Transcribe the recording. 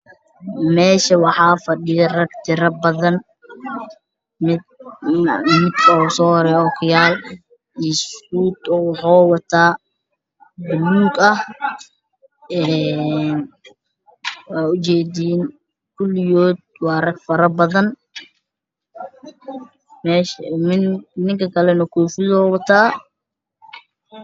Waxaa ii muuqda niman fara badan oo ku fadhiya kuraas ninka u horreeyay waxa uu taasuud buluug ah iyo ookiyalodadka kalena waxay wataan shaarar